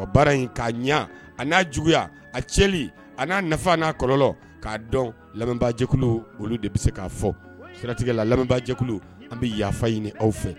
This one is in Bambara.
Baara in k'a ɲɛ a'a juguya a cɛ a n'a n' kɔlɔnlɔ k'a dɔnjɛkulu olu de bɛ se k'a fɔ siratigɛla lamɛnjɛkulu an bɛ yafa ɲini aw fɛ